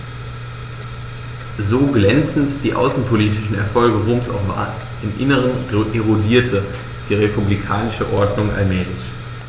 So glänzend die außenpolitischen Erfolge Roms auch waren: Im Inneren erodierte die republikanische Ordnung allmählich.